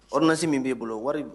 Ormasi min b'i bolo wari don